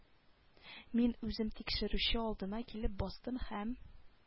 Мин үзем тикшерүче алдына килеп бастым һәм